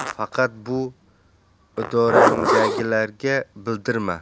faqat bu idorangdagilarga bildirma